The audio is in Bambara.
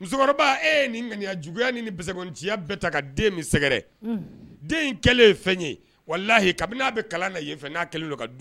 Musokɔrɔba ŋ juguya nitiya den wa lahiyi kabini ye